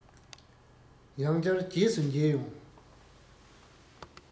ཡང སྐྱར རྗེས སུ འཇལ ཡོང